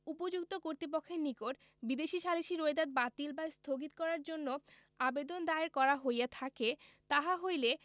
উপযুক্ত কর্তৃপক্ষের নিকট বিদেশী সালিসী রোয়েদাদ বাতিল বা স্থগিত করার জন্য আবেদন দায়ের করা হইয়া থাকে তাহা হইলে